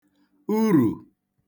urù